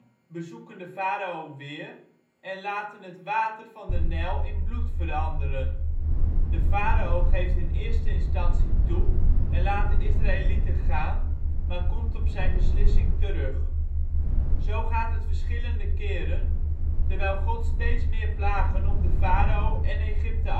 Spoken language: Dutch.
farao weer en laten het water van de Nijl in bloed veranderen. De farao geeft in eerste instantie toe en laat de Israëlieten gaan, maar komt op zijn beslissing terug. Zo gaat het verschillende keren, terwijl God steeds meer plagen op de farao en Egypte afstuurt